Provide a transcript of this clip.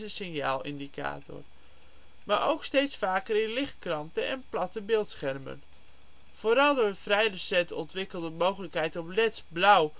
signaalindicator, maar ook steeds vaker in lichtkranten en platte beeldschermen. Vooral door de vrij recent ontwikkelde mogelijkheid om leds blauw